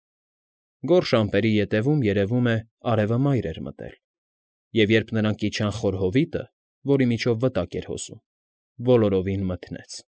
Գորշ ամպերի ետևում, երևում է, արևը մայր էր մտել և, երբ նրանք իջան խոր հովիտը, որի միջով մի վտակ էր հոսում, բոլորովին մթնեց։